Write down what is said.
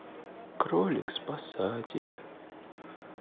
кролик спасатель